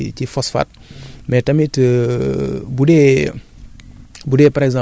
bu déwénee ngay gën a gis njariñ bi loolu moom Yàlla def na ko ci ci phosphate